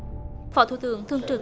phó thủ tướng thường trực